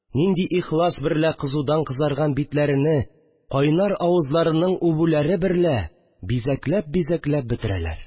Нинди ихлас берлә кызудан кызарган битләрене кайнар авызларының үбүләре берлә бизәкләп-бизәкләп бетерәләр